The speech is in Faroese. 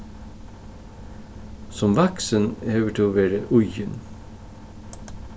sum vaksin hevur tú verið íðin